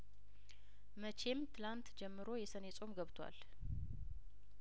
መቼም ትላንት ጀምሮ የሰኔ ጾም ገብቷል